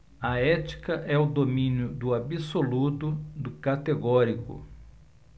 a ética é o domínio do absoluto do categórico